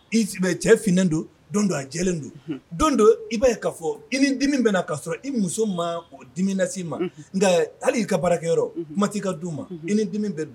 I bɛ cɛ f don don don alen don don don i'a ka fɔ i ni dimi bɛna na ka sɔrɔ i muso ma o dimi nati ma nka hali' ka baarakɛ yɔrɔ kumati i ka di u ma i ni dimi bɛ